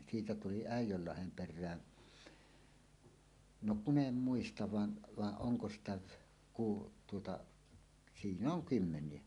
siitä tuli Äijönlahden perään no kun en muista vaan vaan onko sitä - tuota sinne on kymmeniä